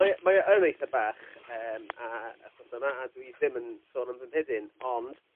...mae e mae e yn eitha bach yym a wthos yma a dwi ddim yn sôn am fy mhidyn ond